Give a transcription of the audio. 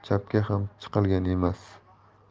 chapga ham chiqilgan emas